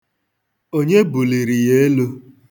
Onye buliri ya elu?